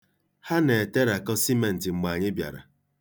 Ha na-eterakọ simentị mgbe anyị bịara.